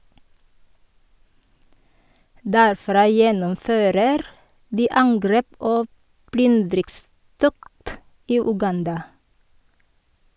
Derfra gjennomfører de angrep og plyndringstokt i Uganda.